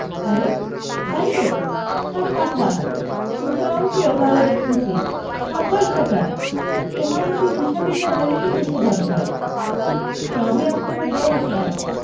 আরে তাই তো হাহাহা তুমি তো অঙ্কেও ভাল দেখতেছি সাব্বাস ব্যাটা তোমার মত হিসাবি ড্রাইভারই তো দেশে দরকার সবই আপনাগো দোয়া ছার